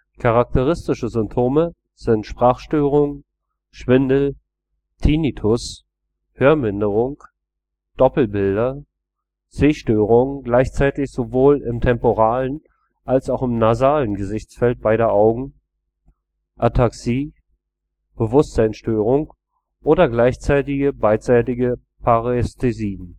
Charakteristische Symptome sind Sprachstörungen, Schwindel, Tinnitus, Hörminderung, Doppelbilder, Sehstörungen gleichzeitig sowohl im temporalen als auch im nasalen Gesichtsfeld beider Augen, Ataxie, Bewusstseinsstörung oder gleichzeitige beidseitige Parästhesien